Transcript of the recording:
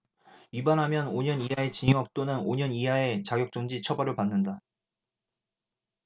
위반하면 오 년 이하의 징역 또는 오 년 이하의 자격정지 처벌을 받는다